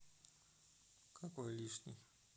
какой лишний